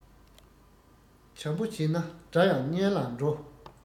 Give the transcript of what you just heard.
བྱམས པོ བྱས ན དགྲ ཡང གཉེན ལ འགྲོ